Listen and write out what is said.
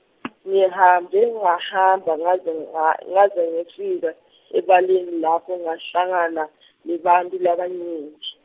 ngihambe ngahamba ngaze nga ngaze ngefika ebaleni lapho ngahlangana nebantfu labanyenti.